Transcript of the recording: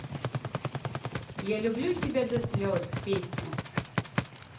я люблю тебя до слез песня